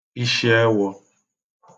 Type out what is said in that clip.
ishiẹwọ̄